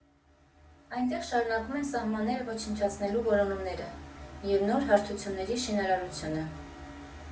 Այստեղ շարունակում են սահմանները ոչնչացնելու որոնումները և նոր հարթությունների շինարարությունը։